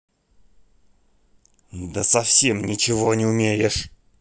да совсем ничего не умеешь